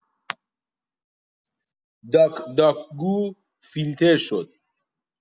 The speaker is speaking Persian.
داک‌داک‌گو فیلتر شد!